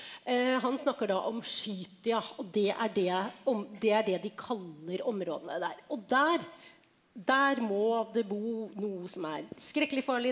han snakker da om Skytia og det er det det er det de kaller områdene der, og der der må det bo noe som er skrekkelig farlig.